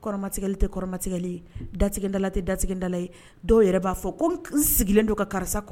Kɔrɔmatigɛli tɛ kɔrɔmatigɛli ye, datigɛ n dala tɛ datigɛ n dala ye, dɔw yɛrɛ b'a fɔ ko n sigilen don ka karisa